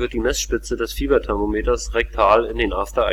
die Messspitze des Fieberthermometers rektal in den After